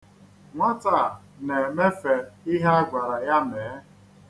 Nwata a na-emefe ihe a gwara ya mee.